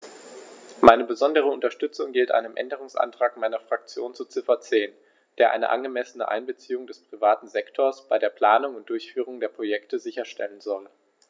Meine besondere Unterstützung gilt einem Änderungsantrag meiner Fraktion zu Ziffer 10, der eine angemessene Einbeziehung des privaten Sektors bei der Planung und Durchführung der Projekte sicherstellen soll.